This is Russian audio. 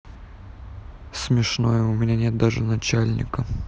смешное у меня нет даже начальника